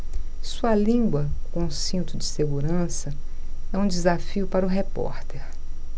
sua língua com cinto de segurança é um desafio para o repórter